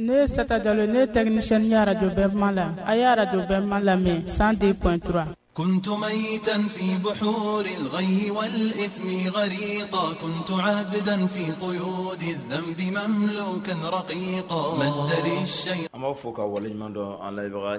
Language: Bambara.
ne salo ne ta nic araj kuma la a y ye arajma lamɛn san de panturatoma 1 nifinto bɛdafinko 2lima minɛ karɔ kaɲɛ 1c a b'a fɔ ka waleɲuman a